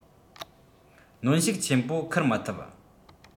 གནོན ཤུགས ཆེན པོ འཁུར མི ཐུབ